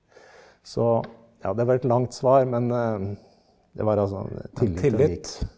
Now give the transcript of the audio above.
så ja det var et langt svar men det var altså tillit og.